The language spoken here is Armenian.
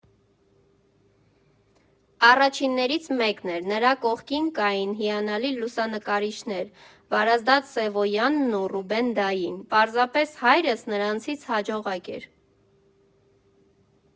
Առաջիններից մեկն էր։ Նրա կողքին կային հիանալի լուսանկարիչներ Վարազդատ Սևոյանն ու Ռուբեն֊դային։ Պարզապես հայրս նրանցից հաջողակ էր։